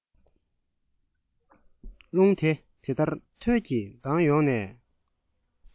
རླུང དེ དེ ལྟར ཐོལ གྱིས ལྡང ཡོང ནས